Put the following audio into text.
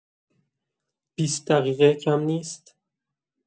بیست دقیقه کم نیست؟